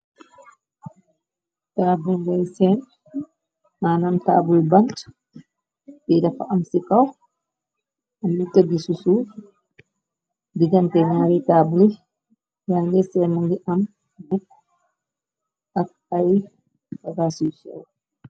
Tabull ngay sèèn manam tabull bant bi dafa am ci kaw am lu tëggi ci suuf digante ñaari tabull yi ya ñgi seen mungi am buk ak ay bagaas yu séw.